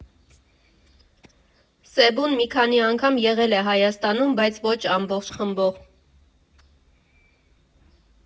Սեբուն մի քանի անգամ եղել է Հայաստանում, բայց ոչ ամբողջ խմբով։